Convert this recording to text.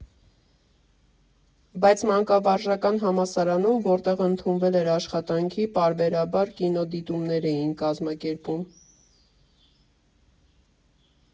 Բայց Մանկավարժական համալսարանում, որտեղ ընդունվել էր աշխատանքի, պարբերաբար կինոդիտումներ էին կազմակերպում։